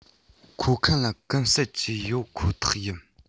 མཁོ མཁན ལ གུན གསབ ཀྱི ཡོད ཁོ ཐག ཡིན